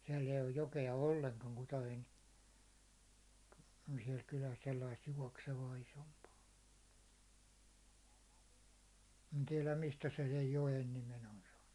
siellä ei ole jokea ollenkaan Kutajoen siellä kylässä sellaista juoksevaa isompaa en tiedä mistä se sen joen nimen on saanut